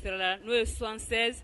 n'o ye 76